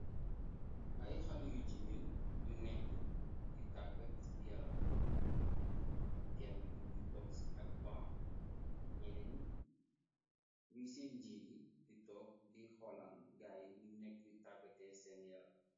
ay xaleh yu jigéen yu nekk di taggat yaram kenn ki myuy toog ci ak ban ñene ñi ñuy seen njiir i di toog di xoland gaay nu nekk di taggatee seen yaram.